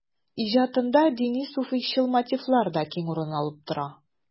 Иҗатында дини-суфыйчыл мотивлар да киң урын алып тора.